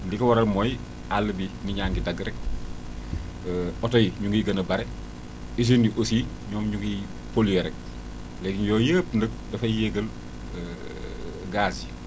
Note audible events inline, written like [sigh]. li ko waral mooy àll bi nit ñaa ngi dagg rek [hesitation] oto yi ñu ngi gën a bare usine yi aussi ñoom ñu ngi polué rek léegi yooyu yëpp nag dafay yéegal [hesitation] gaz yi